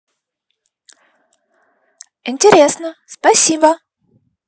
интересно спасибо